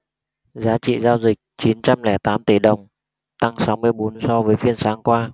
giá trị giao dịch chín trăm lẻ tám tỷ đồng tăng sáu mươi bốn so với phiên sáng qua